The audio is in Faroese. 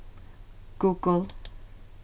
google